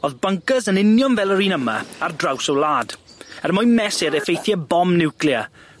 o'dd bynkers yn union fel yr un yma ar draws y wlad, er mwyn mesur effeithie bom niwclea